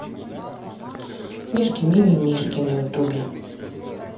мишки мимимишки на ютубе